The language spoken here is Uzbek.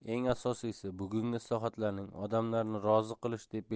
eng asosiysi bugungi islohotlarning odamlarni rozi qilish